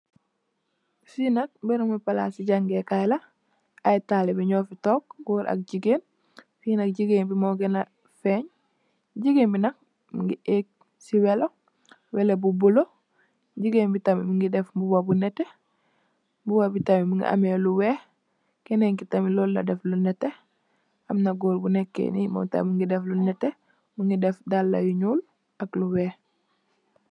Fii nak bërëbu palaasi jangee kaay la, ay taalube ñoo fi toog goor ak jigéen, fii nak jigéen bi moo gënnë fës. Jigeen bi nak mu ngi ëgg si wello, wello bu bulo, jigéen bi tam mu ngi def mbuba bu nétté, mbuba bi tam mu ngi amee lu weex, kenen ki tamlool la def, lu nétté, am na góor bu nekkë nii mom tam, mu ngi def lu nétté, mu ngi def dallë yu ñuul ak lu weex.